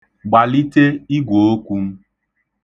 Gbalite igwookwu m.